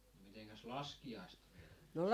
mitenkäs laskiaista vietettiin